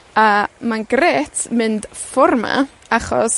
A mae'n grêt mynd ffor 'ma, achos